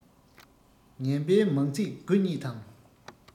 ངན པའི མང ཚིག དགུ ཉིད དམ